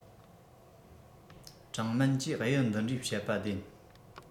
ཀྲང མན གྱིས གཡུ འདི འདྲའི བཤད པ བདེན